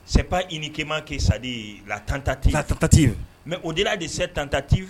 Sep i nikɛma ke sadi la tantati latatati mɛ o dera de se tantati